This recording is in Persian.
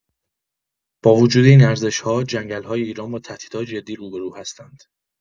با وجود این ارزش‌ها، جنگل‌های ایران با تهدیدهای جدی روبه‌رو هستند.